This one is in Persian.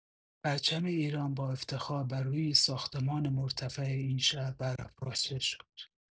پرچم ایران با افتخار بر روی ساختمان مرتفع این شهر برافراشته شد.